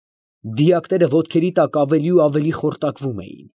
Դիակները ոտքերի տակ ավելի ու ավելի խորտակվում էին։